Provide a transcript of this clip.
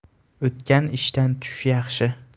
o'tgan ishdan tush yaxshi